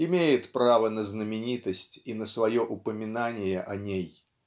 имеет право на знаменитость и на свое упоминание о ней.